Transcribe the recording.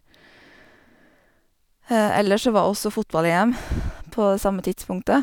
Ellers så var også fotball-EM på det samme tidspunktet.